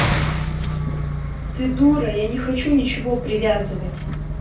ты дура я не хочу ничего привязывать